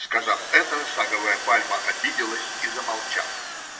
Сказав это, саговая пальма обиделась и замолчала.